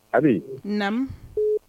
Ayi na